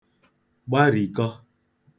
gbarìkọ